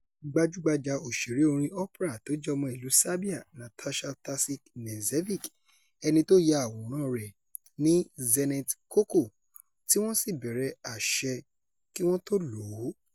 Gbajúgbajà òṣèré orin opera tó jẹ́ ọmọ ìlú Serbia Nataša Tasić Knežević, ẹni tó ya àwòrán rẹ̀ ni Dzenet Koko, tí wọ́n sì bèrè àṣẹ kí wọ́n tó lòó.